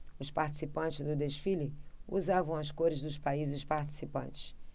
os participantes do desfile usavam as cores dos países participantes